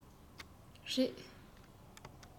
རེད